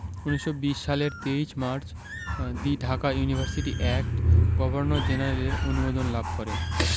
১৯২০ সালের ২৩ March the Dhaka university act governor জেনারেলের অনুমোদন লাভ করে